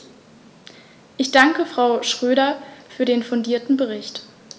Ich danke Frau Schroedter für den fundierten Bericht.